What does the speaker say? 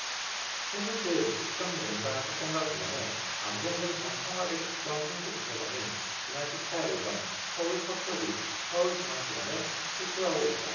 최순실 국정농단 사건과 관련해 안봉근 전 청와대 국정홍보비서관이 지난 십 사 일 오전 서울 서초구 서울중앙지검에 출두하고 있다